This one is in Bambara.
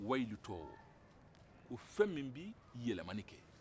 wayilu tɔɔ ko fɛn min bɛ yɛlɛmani kɛ